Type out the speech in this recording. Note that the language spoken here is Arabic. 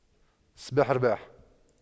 الصباح رباح